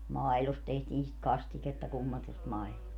maidosta tehtiin sitä kastiketta kummatusta maidosta